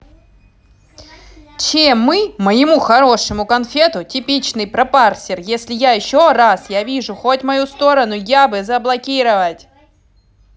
чем мы моему хорошему конфету типичный про парсер если я еще раз я вижу хоть мою сторону я бы заблокировать